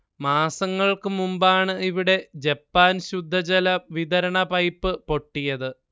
മാസങ്ങൾക്കു മുൻപാണ് ഇവിടെ ജപ്പാൻ ശുദ്ധജല വിതരണ പൈപ്പുപൊട്ടിയത്